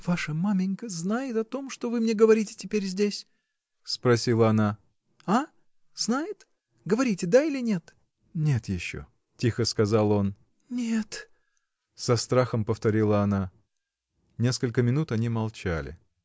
— Ваша маменька знает о том, что вы мне говорите теперь здесь? — спросила она, — а? знает? говорите, да или нет? — Нет еще. — тихо сказал он. — Нет! — со страхом повторила она. Несколько минут они молчали.